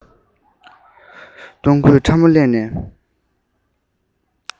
སྟོང སྐུད ཕྲ མོ བསླས ནས